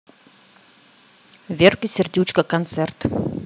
верка сердючка концерт